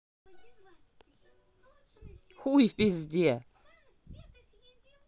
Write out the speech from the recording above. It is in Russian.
хуй в пизде